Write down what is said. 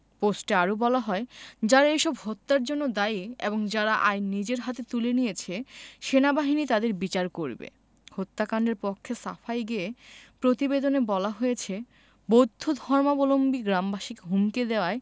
পোস্টে আরো বলা হয় যারা এসব হত্যার জন্য দায়ী এবং যারা আইন নিজের হাতে তুলে নিয়েছে সেনাবাহিনী তাদের বিচার করবে হত্যাকাণ্ডের পক্ষে সাফাই গেয়ে প্রতিবেদনে বলা হয়েছে বৌদ্ধ ধর্মাবলম্বী গ্রামবাসীকে হুমকি দেওয়ায়